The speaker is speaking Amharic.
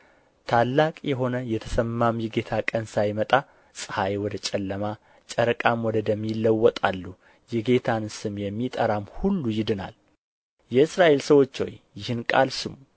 ታላቅ የሆነ የተሰማም የጌታ ቀን ሳይመጣ ፀሐይ ወደ ጨለማ ጨረቃም ወደ ደም ይለወጣሉ የጌታን ስም የሚጠራም ሁሉ ይድናል የእስራኤል ሰዎች ሆይ ይህን ቃል ስሙ